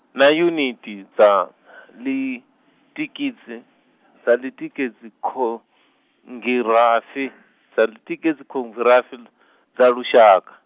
na yuniti dza , litikidzi- dza litikizikhongirafi, lekizikhogirafi , dza lushaka.